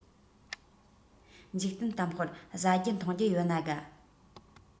འཇིག རྟེན གཏམ དཔེར བཟའ རྒྱུ འཐུང རྒྱུ ཡོད ན དགའ